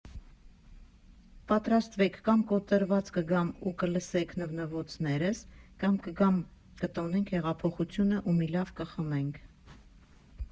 «Պատրաստվեք՝ կամ կոտրված կգամ ու կլսեք նվնվոցներս, կամ կգամ, կտոնենք հեղափոխությունը ու մի լավ կխմենք»։